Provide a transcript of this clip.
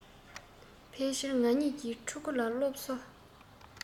ཕལ ཕྱིར ང གཉིས ཀྱི ཕྲུ གུ ལ སློབ གསོ